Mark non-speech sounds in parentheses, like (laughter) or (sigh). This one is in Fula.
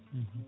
(hesitation) (hesitation)